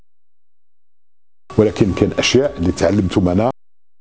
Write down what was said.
ولكن اشياء للتعليم